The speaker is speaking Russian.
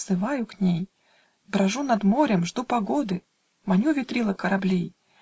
- взываю к ней; Брожу над морем , жду погоды, Маню ветрила кораблей.